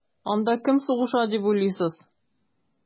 Анда кем сугыша дип уйлыйсыз?